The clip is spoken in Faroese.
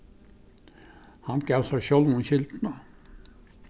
hann gav sær sjálvum skyldina